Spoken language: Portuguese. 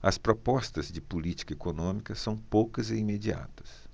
as propostas de política econômica são poucas e imediatas